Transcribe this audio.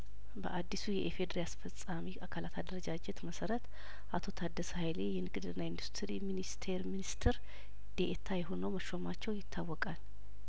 በአዲሱ የኢፌዲሪ አስፈጻሚ አካላት አደረጃጀት መሰረት አቶ ታደሰ ሀይሌ የንግድና ኢንዱስትሪ ሚኒስቴር ሚኒስትር ዴኤታ የሆነው መሾማቸው ይታወቃል